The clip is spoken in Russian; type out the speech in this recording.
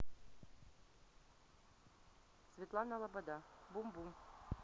светлана лобода бум бум